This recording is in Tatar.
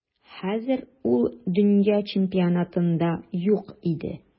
Хәзер ул дөнья чемпионатында юк иде.